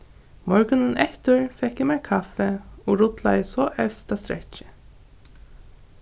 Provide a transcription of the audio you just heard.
morgunin eftir fekk eg mær kaffi og rullaði so evsta strekkið